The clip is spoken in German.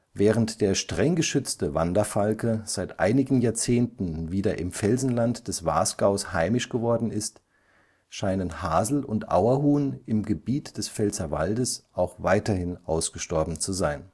Während der streng geschützte Wanderfalke seit einigen Jahrzehnten wieder im Felsenland des Wasgaus heimisch geworden ist, scheinen Hasel - und Auerhuhn im Gebiet des Pfälzerwaldes auch weiterhin ausgestorben zu sein